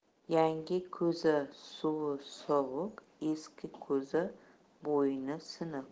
yangi ko'za suvi sovuq eski ko'za bo'yni siniq